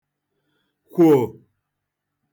kwò